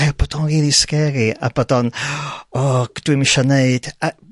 er bod o'n rili sgeri a bod o'n dwi'm isio neud a bo' chdi'n